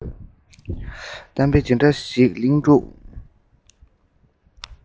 གཏམ དཔེ འདི འདྲ ཞིག གླིང སྒྲུང ན